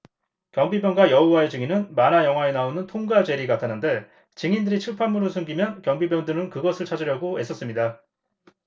경비병과 여호와의 증인은 만화 영화에 나오는 톰과 제리 같았는데 증인들이 출판물을 숨기면 경비병들은 그것을 찾으려고 애썼습니다